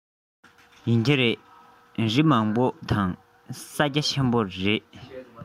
ཡོད ཀྱི རེད རི མང པོ དང ས རྒྱ ཆེན པོ རེད པ